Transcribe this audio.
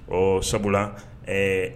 Ɔ sabula ɛɛ